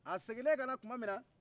a seginne ka na tumaminna